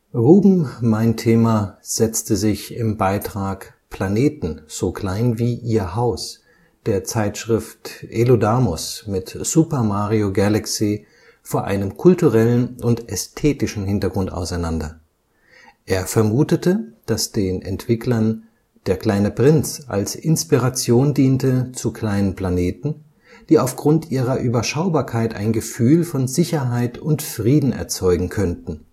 Ruben Aize Meintema setzte sich im Beitrag ‘Planets as small as your house’ (dt. etwa „ Planeten, so klein wie Ihr Haus “) der Zeitschrift Eludamos mit Super Mario Galaxy vor einem kulturellen und ästhetischen Hintergrund auseinander. Er vermutete, dass den Entwicklern Der kleine Prinz als Inspiration diente zu kleinen Planeten, die aufgrund ihrer Überschaubarkeit ein Gefühl von Sicherheit und Frieden erzeugen könnten